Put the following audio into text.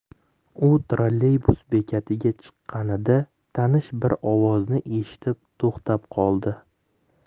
u trolleybus bekatiga chiqqanida tanish bir ovozni eshitib to'xtab qoldi